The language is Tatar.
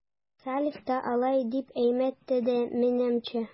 Салих та алай дип әйтмәде, минемчә...